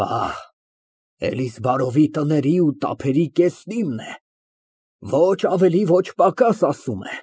Փահ, Էլիզբարովի տների ու տափերի կեսն իմն է, ասում է, ոչ ավել, ոչ պակաս։ (Լռություն)։